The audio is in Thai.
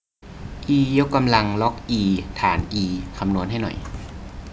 อียกกำลังล็อกอีฐานอีคำนวณให้หน่อย